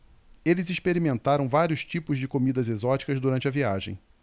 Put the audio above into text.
eles experimentaram vários tipos de comidas exóticas durante a viagem